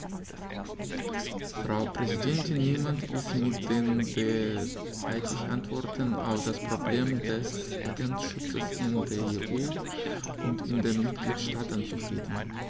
Frau Präsidentin, niemand ist mit den derzeitigen Antworten auf das Problem des Patentschutzes in der EU und in den Mitgliedstaaten zufrieden.